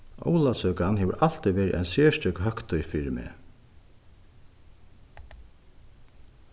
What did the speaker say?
ólavsøkan hevur altíð verið ein serstøk høgtíð fyri meg